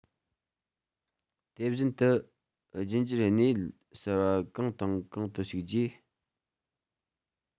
དེ བཞིན དུ རྒྱུད འགྱུར གནས ཡུལ གསར པ གང དང གང དུ ཞུགས རྗེས